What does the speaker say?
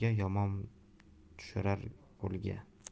yomon tushirar qo'lga